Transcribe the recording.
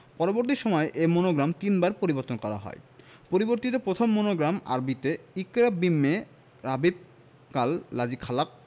পরবর্তী সময়ে এ মনোগ্রাম তিনবার পরিবর্তন করা হয় পরিবর্তিত প্রথম মনোগ্রামে আরবিতে ইকরা বিস্মে রাবিবকাল লাজি খালাক্ক